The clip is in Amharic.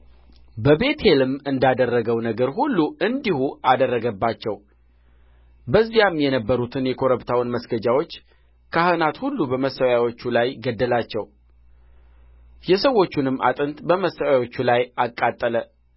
በቤቴልም እንዳደረገው ነገር ሁሉ እንዲሁ አደረገባቸው በዚያም የነበሩትን የኮረብታውን መስገጃዎች ካህናት ሁሉ በመሠዊያዎቹ ላይ ገደላቸው የሰዎቹንም አጥንት በመሠዊያዎቹ ላይ አቃጠለ